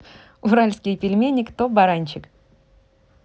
уральские пельмени кто баранчик